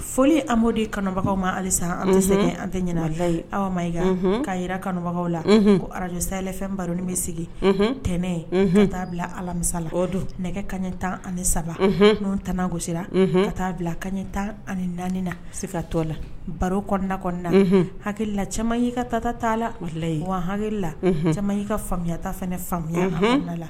Foli amadudi kanubagaw ma halisa an tɛ segin an tɛ ɲlayi aw mayi k'a jira kanubaga la ko araj saylafɛn baroin bɛ sigi tɛmɛ ka t' bila alamisala don nɛgɛ kaɲɛ tan ani saba n' tgosira ka t'a bila kaɲɛ tan ani naani na se ka to la baro kɔnɔna kɔnɔnana hala cɛmanma y'i ka taata' lalayi wa hala cɛman y'i ka faamuyata ne faya hala